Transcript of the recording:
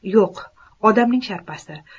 yo'q odamning sharpasi